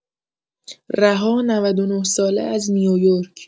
رها ۹۹ ساله از نیویورک